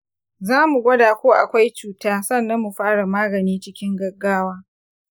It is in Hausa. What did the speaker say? za mu gwada ko akwai cuta, sannan mu fara magani cikin gaggawa.